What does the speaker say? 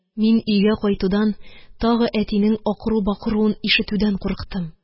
Мин өйгә кайтудан, тагы әтинең акыру-бакыруын ишетүдән курыктым